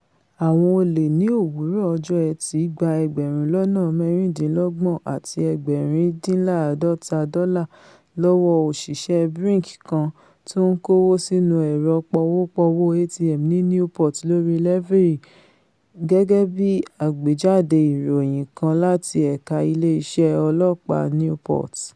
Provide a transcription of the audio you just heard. Àwọn olè ní òwúrọ̀ ọjọ́ Ẹti gba ẹgbẹ́rùn lọ́nà mẹ́rìndínlọ́gbọ̀n àti ẹgbẹ̀rindíńlá́àádọ́ta dọ́là lọ́wọ́ òṣìṣẹ́ Brink kan tó ńkówó sínú ẹ̀rọ pọwó-pọwó ATM ní Newport lórí Levee, gẹ́gẹ́ bí àgbéjáde ìròyìn kan láti Ẹ̀ka Ilé iṣẹ́ Ọlọ́ọ̀pá Newport.